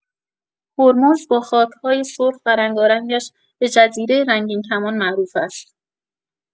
هرمز با خاک‌های سرخ و رنگارنگش به جزیره رنگین‌کمان معروف است.